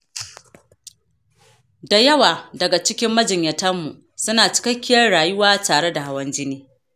da yawa daga cikin majinyatar mu suna cikakkiyar rayuwa tare da hawan jini.